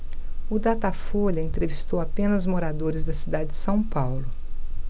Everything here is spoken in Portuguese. o datafolha entrevistou apenas moradores da cidade de são paulo